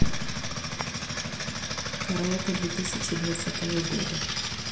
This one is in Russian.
караоке две тысячи двадцатого года